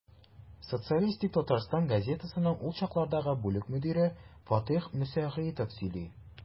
«социалистик татарстан» газетасының ул чаклардагы бүлек мөдире фатыйх мөсәгыйтов сөйли.